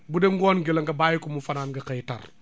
bu dee ngoon gi la nga bàyyi ko mu fanaan nga xëy tar